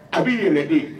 A bi ɲinɛ de.